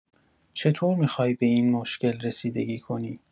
چطور می‌خوای به این مشکل رسیدگی کنی؟